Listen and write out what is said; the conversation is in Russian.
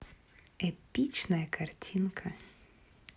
эпичная картинка